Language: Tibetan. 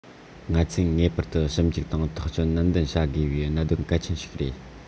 ང ཚོས ངེས པར དུ ཞིབ འཇུག དང ཐག གཅོད ནན ཏན བྱ དགོས པའི གནད དོན གལ ཆེན ཞིག རེད